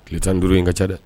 Tile tan n duuru in ka ca dɛ